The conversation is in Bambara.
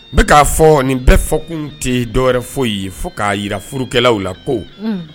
N bɛ k'a fɔ nin bɛ fɔkun tɛ dɔwɛrɛ fɔ ye fo k'a jira furukɛlaw la ko